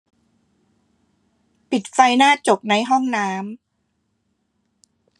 ปิดไฟหน้าจกในห้องน้ำ